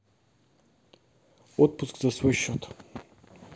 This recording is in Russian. отпуск за свой счет